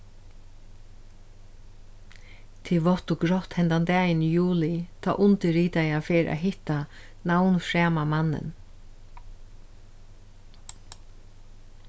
tað er vátt og grátt hendan dagin í juli tá undirritaða fer at hitta navnframa mannin